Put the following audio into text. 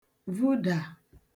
vudà